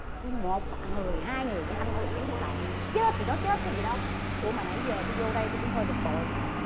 một người hai người như anh thôi là thấy nhức đầu chết thì nói chết có gì đâu ủa mà nãy giờ tui vô đây tôi cũng hơi bực bội